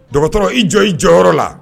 Dɔgɔtɔrɔ i jɔ i jɔyɔrɔyɔrɔ la